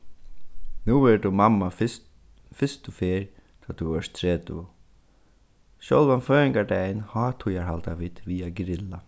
nú verður tú mamma fyrstu ferð tá tú ert tretivu sjálvan føðingardagin hátíðarhalda vit við at grilla